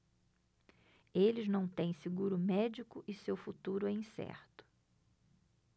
eles não têm seguro médico e seu futuro é incerto